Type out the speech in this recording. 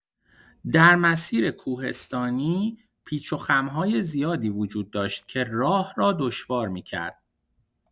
در مسیر کوهستانی، پیچ‌وخم‌های زیادی وجود داشت که راه را دشوار می‌کرد.